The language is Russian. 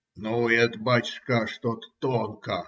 - Ну, это, батюшка, что-то тонко.